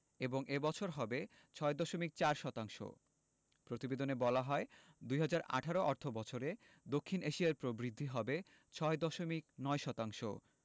এবং এ বছর হবে ৬.৪ শতাংশ প্রতিবেদনে বলা হয় ২০১৮ অর্থবছরে দক্ষিণ এশিয়ায় প্রবৃদ্ধি হবে ৬.৯ শতাংশ